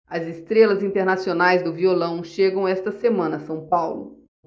as estrelas internacionais do violão chegam esta semana a são paulo